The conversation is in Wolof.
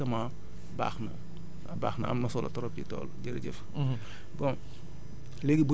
def ko ci mais tamit boo ko ci mënee def directement baax na waa baax na am na solo trop ci tool bi jërëjëf